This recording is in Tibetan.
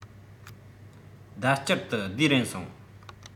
ཟླ དཀྱིལ དུ བསྡུས རན སོང